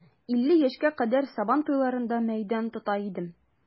Илле яшькә кадәр сабан туйларында мәйдан тота идем.